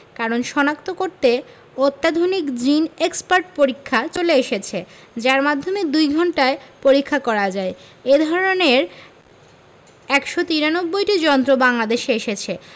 কারণ শনাক্ত করতে অত্যাধুনিক জিন এক্সপার্ট পরীক্ষা চলে এসেছে যার মাধ্যমে দুই ঘণ্টায় পরীক্ষা করা যায় এ ধরনের ১৯৩টি যন্ত্র বাংলাদেশে এসেছে